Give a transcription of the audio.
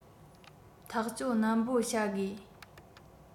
ཐག གཅོད ནན པོ བྱ དགོས